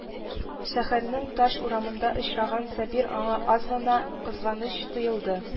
Шәһәрнең таш урамында очраган Сабир аңа аз гына кызганыч тоелды